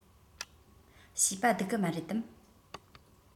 བྱིས པ སྡིག གི མ རེད དམ